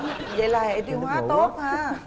vậy là hệ tiêu hóa tốt ha